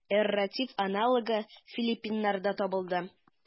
Эрратив аналогы филиппиннарда табылды.